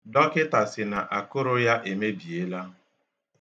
Dọkịta sị na akụrụ ya emebiela.